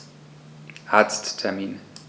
Arzttermin